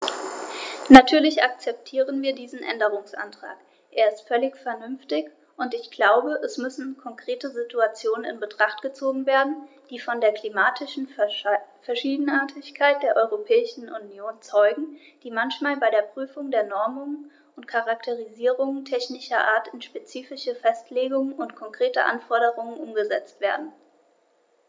Natürlich akzeptieren wir diesen Änderungsantrag, er ist völlig vernünftig, und ich glaube, es müssen konkrete Situationen in Betracht gezogen werden, die von der klimatischen Verschiedenartigkeit der Europäischen Union zeugen, die manchmal bei der Prüfung der Normungen und Charakterisierungen technischer Art in spezifische Festlegungen und konkrete Anforderungen umgesetzt werden.